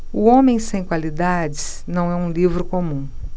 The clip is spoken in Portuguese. o homem sem qualidades não é um livro comum